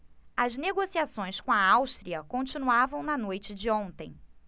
as negociações com a áustria continuavam na noite de ontem